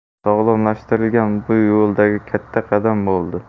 sog'lomlashtirilgani bu yo'ldagi katta qadam bo'ldi